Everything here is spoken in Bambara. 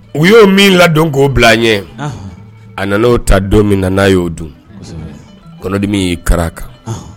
U y'o min ladon k'o bila ɲɛ a nana'o ta don min na n'a y'o dun kɔnɔdimi y'i kara kan